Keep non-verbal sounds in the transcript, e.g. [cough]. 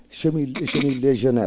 [clears throat] chenille et légionnaire